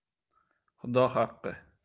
xudo haqqi